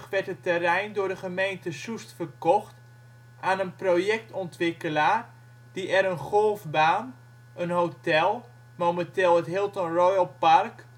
werd het terrein door de gemeente Soest verkocht aan een projectontwikkelaar die er een golfbaan, een hotel (momenteel het Hilton Royal Park